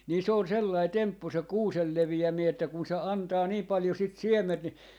niin se on sellainen temppu se kuusen leviäminen että kun se antaa niin paljon sitä siementä niin